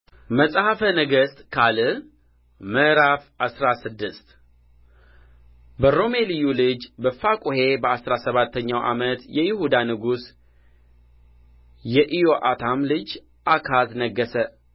መጽሐፈ ነገሥት ካልዕ ምዕራፍ አስራ ስድስት በሮሜልዩ ልጅ በፋቁሔ በአሥራ ሰባተኛው ዓመት የይሁዳ ንጉሥ የኢዮአታም ልጅ አካዝ ነገሠ